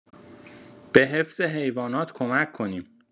به حفظ حیوانات کمک کنیم.